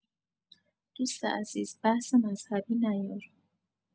دوست عزیز بحث مذهبی نیار